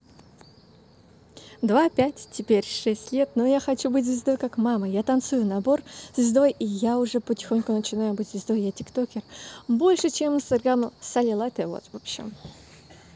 два пять теперь шесть лет но я хочу быть звездой как мама я танцую разбор звездой и я уже потихоньку начинаю быть звездой и я тик токер больше чем инстаграм cali латте в общем